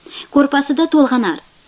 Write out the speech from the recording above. ko'rpasida to'lg'anar